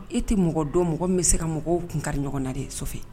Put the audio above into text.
E tɛ mɔgɔ don mɔgɔ min bɛ se ka mɔgɔw kun kari ɲɔgɔn na de so